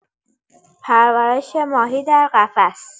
پرورش ماهی در قفس